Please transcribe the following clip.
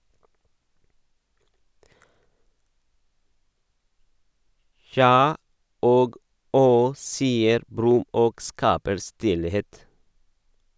"Tja" og "Åh!", sier Brumm og skaper stillhet.